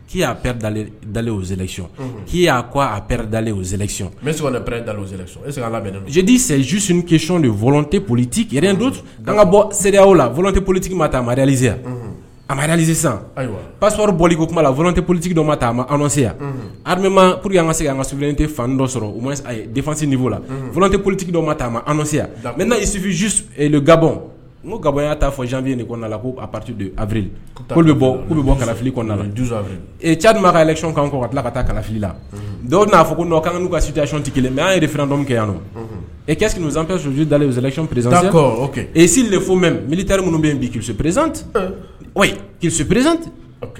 K'ile k''aɛdalezcɛle zdizjus kec dete politi ke an ka bɔ seereya late politigi ma madzya adaaliz bɔ ko kuma la f politigiseya ka se an kafi tɛ sɔrɔfa f tɛ politigi taseya mɛ nasufi gabɔ n ga bɔya'a fɔ janpye de la k' aptido abiri poli'u bɛ bɔ kalafili eee ca b' kaalecɔn kɔ ka tila ka taa kalali la dɔw n'a fɔ ko kan n'u ka sitacɔnti kelen mɛ y'a yɛrɛ f dɔn kɛ yan don ecsanp sunjatasuo dalenlezcperez e seli de fo mɛ malilitari minnu bɛ yen bi ki perezti perezte